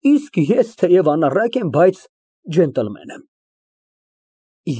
Իսկ ես թեև անառակ եմ, բայց ջենտլմեն եմ։